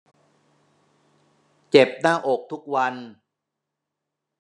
เจ็บหน้าอกทุกวัน